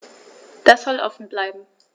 Das soll offen bleiben.